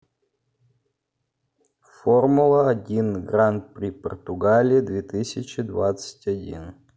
формула один гран при португалии две тысячи двадцать один